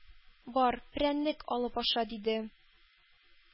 ”бар, перәннек алып аша“, — диде.